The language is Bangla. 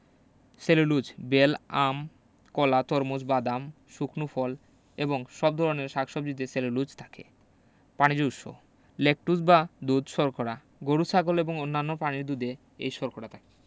সেলুলুজ বেল আম কলা তরমুজ বাদাম শুকনো ফল এবং সব ধরনের শাকসবজিতে সেলুলুজ থাকে পানিজ উৎস ল্যাকটুজ বা দুধ শর্করা গরু ছাগল এবং অন্যান্য প্রাণীর দুধে এই শর্করা থাকে